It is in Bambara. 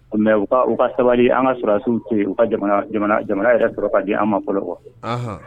U u ka sabali an ka sɔrɔsiw sigi u ka jamana yɛrɛ sɔrɔ ka di an ma fɔlɔ wa